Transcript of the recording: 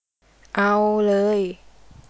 เอาเลย